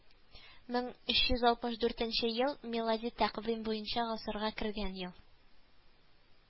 Мең өч йөз алтмыш дүртенче ел милади тәкъвим буенча гасырга кергән ел